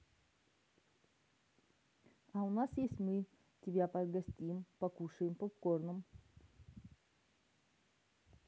а у нас есть мы тебя погостим покушаем попкорном